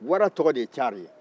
wara tɔgɔ de ye carin ye